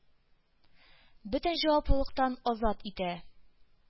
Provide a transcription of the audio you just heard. Бөтен җаваплылыктан азат итә.